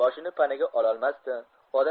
boshini panaga ololmasdi